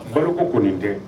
Baro ko nin tɛ